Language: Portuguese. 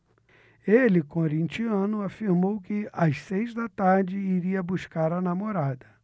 ele corintiano afirmou que às seis da tarde iria buscar a namorada